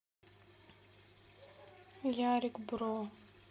ярик бро